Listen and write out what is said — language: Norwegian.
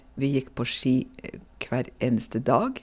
Vi gikk på ski hver eneste dag.